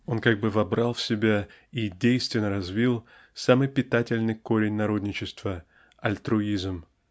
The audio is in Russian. он как бы вобрал в себя и действенно развил самый питательный корень народничества --альтруизм.